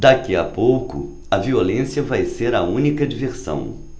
daqui a pouco a violência vai ser a única diversão